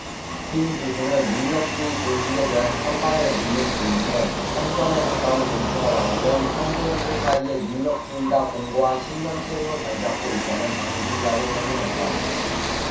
김 교수는 능력주의 본질에 대한 찬반을 묻는 질문에 삼 점에 가까운 점수가 나온 건 청소년들 사이에 능력주의가 공고한 신념체계로 자리잡고 있다는 방증이라고 설명했다